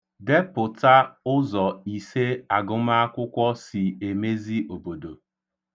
Depụta ụzọ ise agụmaakwụkwọ si emezi obodo.